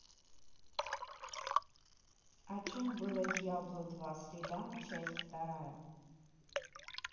о чем было diablo два slidan часть вторая